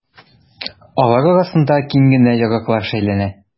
Алар арасында киң генә ярыклар шәйләнә.